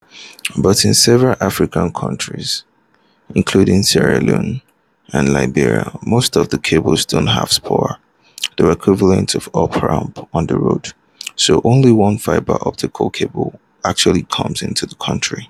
But, in several African countries — including Sierra Leone and Liberia — most of the cables don’t have spurs (the equivalent of off-ramps on the road), so only one fibre optic cable actually comes into the country.